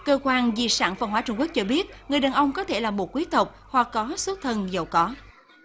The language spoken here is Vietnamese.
cơ quan di sản văn hóa trung quốc cho biết người đàn ông có thể là một quý tộc hoặc có xuất thân giàu có